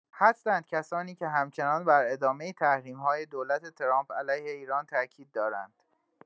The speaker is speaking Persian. هستند کسانی که همچنان بر ادامه تحریم‌های دولت ترامپ علیه ایران تاکید دارند.